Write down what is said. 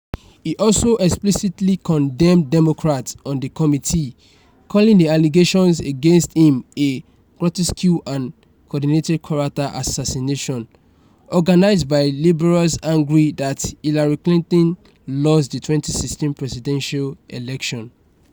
He also explicitly condemned Democrats on the committee, calling the allegations against him a "grotesque and coordinated character assassination" organized by liberals angry that Hillary Clinton lost the 2016 presidential election.